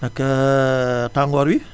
naka tàngoor wi